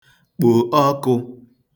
kpò ọkụ̄